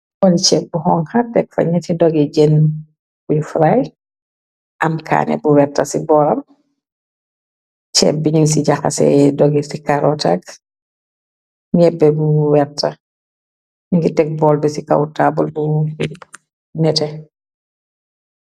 Bolicheph bu hong xarteg fa neti dogi jenn wuy fry am kaane bu werta ci booram cep bi nig ci jaxase dogi ci karotak ñepbe bu werta ngir teg bol bi ci kaw taabal bu firi nete.